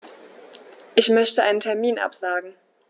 Ich möchte einen Termin absagen.